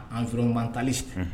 An sɔrɔ mantali